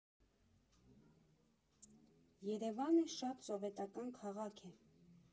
Երևանը շատ սովետական քաղաք է։